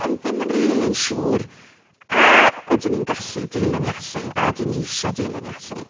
Ond ddim yn rili'n siŵr a ydyn ni'n gallu dilyn Iesu, a ydyn ni isio dilyn Iesu?